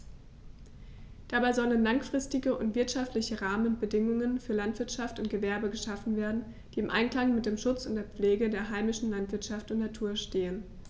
Dabei sollen langfristige und wirtschaftliche Rahmenbedingungen für Landwirtschaft und Gewerbe geschaffen werden, die im Einklang mit dem Schutz und der Pflege der heimischen Landschaft und Natur stehen.